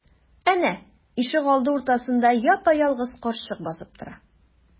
Әнә, ишегалды уртасында япа-ялгыз карчык басып тора.